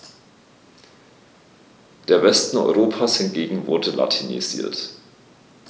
Der Westen Europas hingegen wurde latinisiert.